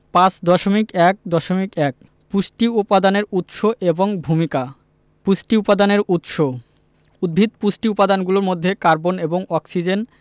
৫.১.১ পুষ্টি উপাদানের উৎস এবং ভূমিকা পুষ্টি উপাদানের উৎস উদ্ভিদ পুষ্টি উপাদানগুলোর মধ্যে কার্বন এবং অক্সিজেন